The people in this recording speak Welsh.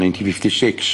Ninety fifty six.